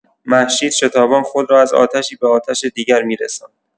مهشید شتابان خود را از آتشی به آتش دیگر می‌رساند.